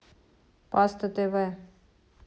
паста тв